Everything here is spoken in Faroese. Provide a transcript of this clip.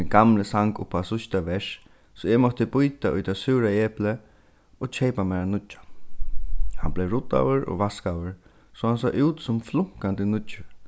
mín gamli sang upp á síðsta vers so eg mátti bíta í tað súra eplið og keypa mær ein nýggjan hann bleiv ruddaður og vaskaður so hann sá út sum flunkandi nýggjur